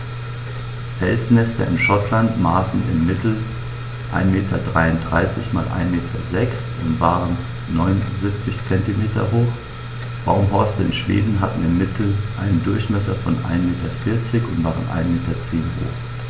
Felsnester in Schottland maßen im Mittel 1,33 m x 1,06 m und waren 0,79 m hoch, Baumhorste in Schweden hatten im Mittel einen Durchmesser von 1,4 m und waren 1,1 m hoch.